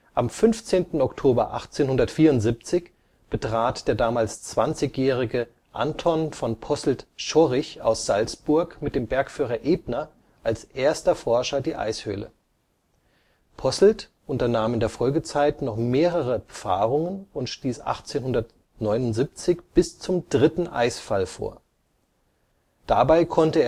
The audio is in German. Am 5. Oktober 1874 betrat der damals 20-jährige Anton von Posselt-Czorich aus Salzburg mit dem Bergführer Ebner als erster Forscher die Eishöhle. Posselt unternahm in der Folgezeit noch mehrere Befahrungen und stieß 1879 bis zum dritten Eisfall vor. Dabei konnte